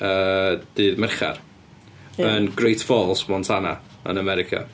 Yy dydd Mercher yn Great Falls, Montana, yn America.